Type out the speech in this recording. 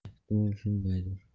ehtimol shundaydir